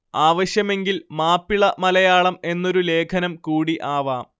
ആവശ്യമെങ്കിൽ മാപ്പിള മലയാളം എന്നൊരു ലേഖനം കൂടി ആവാം